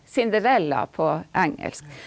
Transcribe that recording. Cinderella på engelsk.